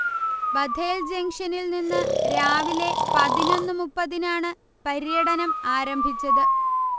Bethel ജങ്ഷനിൽനിന്ന് രാവിലെ പതിനൊന്നു മുപ്പത്തിനാണ് പര്യടനം ആരംഭിച്ചത്